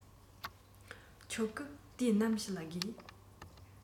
ཆོག གི དུས ནམ ཞིག ལ དགོས